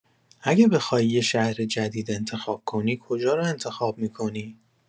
اگه بخوای یه شهر جدید انتخاب کنی، کجا رو انتخاب می‌کنی؟